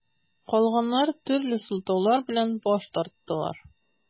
Калганнар төрле сылтаулар белән баш тарттылар.